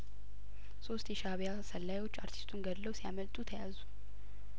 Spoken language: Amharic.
ሶስት የሻእቢያ ሰላዮች አርቲስቱን ገድለው ሲያመልጡ ተያዙ